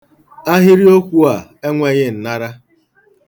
Ahịrịokwu a enweghị nnara.